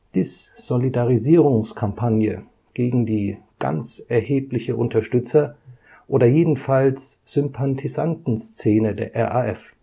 Dissolidarisierungskampagne gegen die ganz erhebliche Unterstützer - oder jedenfalls Sympathisantenszene der RAF